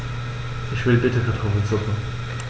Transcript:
Ich will bitte Kartoffelsuppe.